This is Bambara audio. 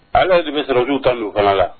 Ale yɛrɛ de be surasiw kan d'o fana la